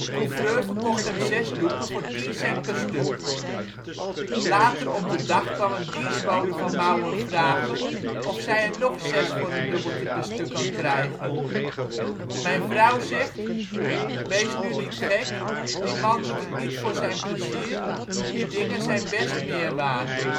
Couvreur verkocht hem zes doeken voor tien cent per stuk! Later op de dag kwam een dienstbode van Mouwen vragen of zij er nog zes voor een dubbeltje per stuk kan krijgen. " Mijn vrouw zegt: Wees nu niet gek, die man doet het niet voor zijn plezier, die dingen zijn best meer waard